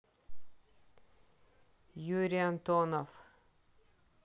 юрий антонов